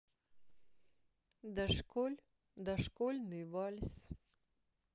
дошколь дошкольный вальс